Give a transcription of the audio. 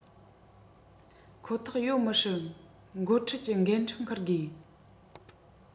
ཁོ ཐག ཡོད མི སྲིད འགོ ཁྲིད ཀྱི འགན འཁྲི འཁུར དགོས